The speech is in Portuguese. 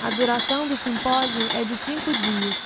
a duração do simpósio é de cinco dias